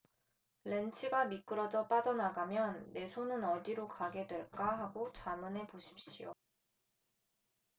렌치가 미끄러져 빠져나가면 내 손은 어디로 가게 될까 하고 자문해 보십시오